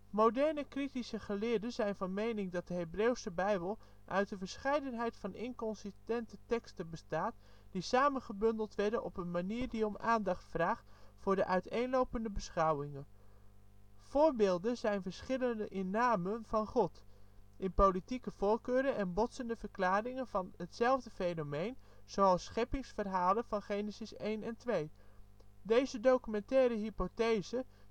Moderne kritische geleerden zijn van mening dat de Hebreeuwse Bijbel uit een verscheidenheid van inconsistente teksten bestaat die samengebundeld werden op een manier die om aandacht vraagt voor de uiteenlopende beschouwingen. Voorbeelden zijn verschillen in namen van God, in politieke voorkeuren en de botsende verklaringen van hetzelfde fenomeen zoals scheppingsverhalen van Genesis 1 en 2. Deze documentaire hypothese